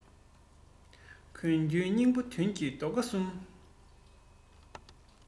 དགོས རྒྱུའི སྙིང པོ དོན གྱི རྡོ ཁ གསུམ